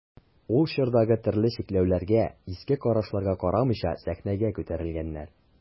Ул чордагы төрле чикләүләргә, иске карашларга карамыйча сәхнәгә күтәрелгәннәр.